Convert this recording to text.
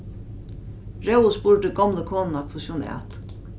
rói spurdi gomlu konuna hvussu hon æt